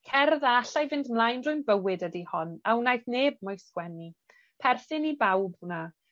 Cerdd a allai fynd mlaen drwy'n bywyd ydi hon, a wnaeth neb mo'i sgwennu, perthyn i bawb wna